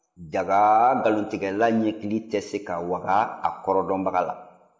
jaga nkalontigɛla ɲɛkili tɛ se ka waga a kɔrɔdɔnbaga la